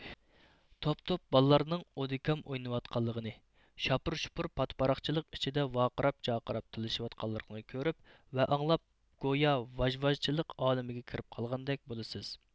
توپ توپ بالىلارنىڭ ئودىكام ئويناۋاتقانلىقىنى شاپۇر شۇپۇر پاتىپاراقچىلىق ئىچىدە ۋارقىراپ جارقىراپ تىللىشىۋاتقانلىقلىرىنى كۆرۈپ ۋە ئاڭلاپ گويا ۋاژ ۋاژچىلىق ئالىمىگە كىرىپ قالغاندەك بولىسىز